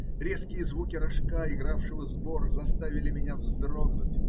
Резкие звуки рожка, игравшего сбор, заставили меня вздрогнуть.